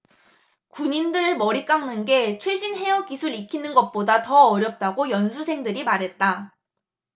군인들 머리 깎는 게 최신 헤어 기술 익히는 것보다 더 어렵다고 연수생들이 말했다